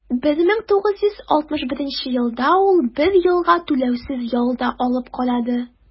1961 елда ул бер елга түләүсез ял да алып карады.